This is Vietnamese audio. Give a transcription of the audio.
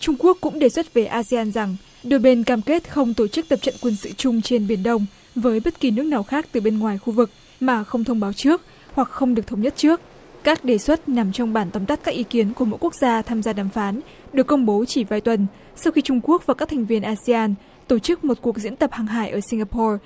trung quốc cũng đề xuất về a sê an rằng đôi bên cam kết không tổ chức tập trận quân sự chung trên biển đông với bất kỳ nước nào khác từ bên ngoài khu vực mà không thông báo trước hoặc không được thống nhất trước các đề xuất nằm trong bản tóm tắt các ý kiến của mỗi quốc gia tham gia đàm phán được công bố chỉ vài tuần sau khi trung quốc và các thành viên a sê an tổ chức một cuộc diễn tập hàng hải ở sinh ga po